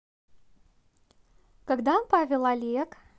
когда павел олег